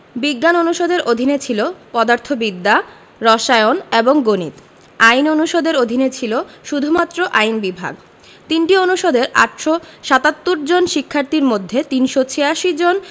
বিজ্ঞান অনুষদের অধীনে ছিল পদার্থবিদ্যা রসায়ন এবং গণিত আইন অনুষদের অধীনে ছিল শুধুমাত্র আইন বিভাগ ৩টি অনুষদের ৮৭৭ জন শিক্ষার্থীর মধ্যে ৩৮৬ জন